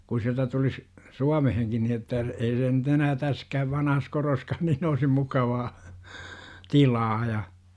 kun sieltä tulisi Suomeenkin niin että ei se nyt enää tässäkään vanhassa kodossakaan niin olisi mukavaa tilaa ja